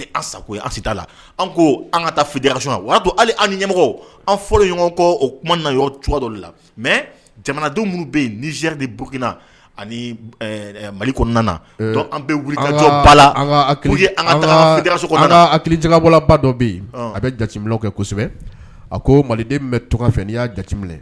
Ni ɲɛmɔgɔ an fɔlɔ ɲɔgɔn kɔ o kuma na dɔ de la mɛ jamanadenw minnu bɛ yen ni z de boina ani mali kɔnɔna an bɛ wulikajɔ la anjakabɔ badɔ bɛ yen a bɛ jateminɛ kɛsɛbɛ a ko maliden bɛ tɔgɔ fɛ n'i y'a jateminɛ